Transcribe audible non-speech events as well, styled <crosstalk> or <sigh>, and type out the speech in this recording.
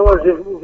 <hesitation> <hesitation>